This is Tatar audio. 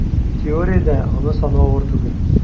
Теориядә аны санау авыр түгел: